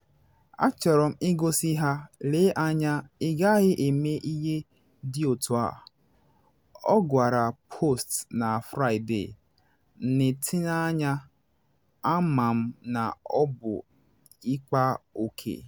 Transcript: “Achọrọ m igosi ha, lee anya, ị gaghị eme ihe dị otu ahụ,” ọ gwara Post na Fraịde, na etinye “Ama m na ọ bụ ịkpa oke.”